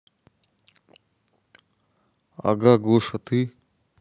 ага гоша ты